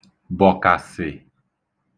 bọ̀kàsị̀